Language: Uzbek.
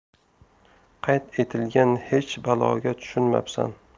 qayd etilganhech baloga tushunmabsan